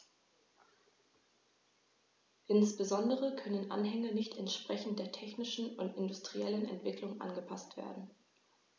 Insbesondere können Anhänge nicht entsprechend der technischen und industriellen Entwicklung angepaßt werden.